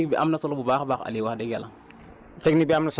technique bi am na solo bu baax a baax Aliou wax dëgg yàlla